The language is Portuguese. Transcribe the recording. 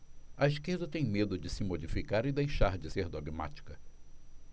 a esquerda tem medo de se modificar e deixar de ser dogmática